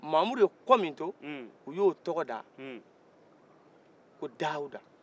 mamudu ye kɔ min to u y'o tɔgɔda ko dawuda